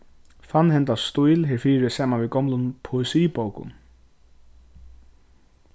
fann henda stíl herfyri saman við gomlum poesibókum